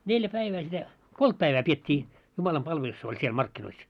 neljä päivää sitä kolme päivää pidettiin jumalanpalvelus oli siellä markkinoissa